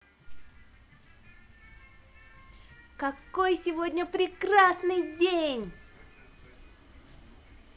какой сегодня прекрасный день